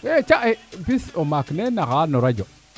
e ca bis o maak ne naxa no radio